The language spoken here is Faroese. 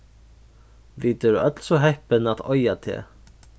vit eru øll so heppin at eiga teg